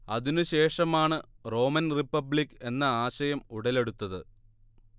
അതിനു ശേഷമാണ് Roman republic എന്ന ആശയം ഉടലെടുത്തത്